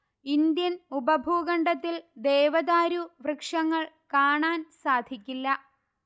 Indian ഉപഭൂഖണ്ഡത്തിൽ ദേവദാരു വൃക്ഷങ്ങൾ കാണാൻ സാധിക്കില്ല